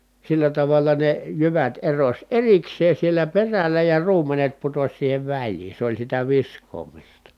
sillä tavalla ne jyvät erosi erikseen siellä perällä ja ruumenet putosi siihen väliin se oli sitä viskaamista